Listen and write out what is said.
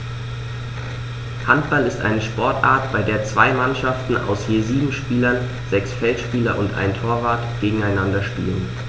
Handball ist eine Sportart, bei der zwei Mannschaften aus je sieben Spielern (sechs Feldspieler und ein Torwart) gegeneinander spielen.